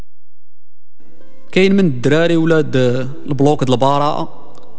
كلمه دراري اولاد مبروك المباراه